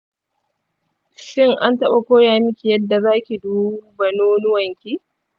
shin an taɓa koya miki yadda zaki duba nonuwanki?